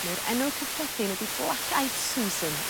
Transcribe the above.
neu'r enw cyffredin ydi black eyed Suzan